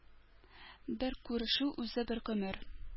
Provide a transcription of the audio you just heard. Бер күрешү үзе бер гомер.